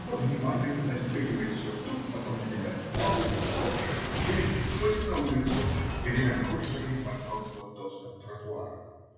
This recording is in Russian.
Он внимательно застегивает сюртук, потом надевает саблю, калоши, шинель и выходит на улицу, гремя ножнами по мерзлым доскам тротуара.